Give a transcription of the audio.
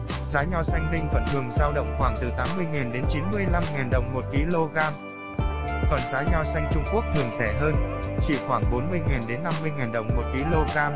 giá nho xanh ninh thuận thường dao động khoảng từ đồng kg còn giá nho xanh trung quốc thường rẻ hơn chỉ khoảng đồng kg